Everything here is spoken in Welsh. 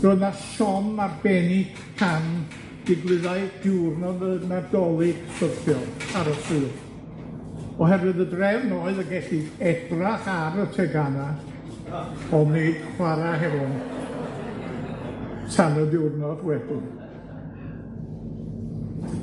Roedd yna siom arbennig pan digwyddau diwrnod y Nadolig bythiol ar y llwyth, oherwydd y drefn oedd y gellid edrach ar y tegana, ond nid chwara hefon tan y diwrnod wedyn.